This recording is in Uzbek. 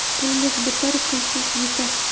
pullik bitar pulsiz yitar